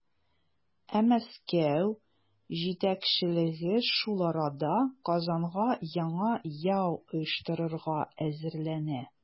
Ә Мәскәү җитәкчелеге шул арада Казанга яңа яу оештырырга әзерләнә.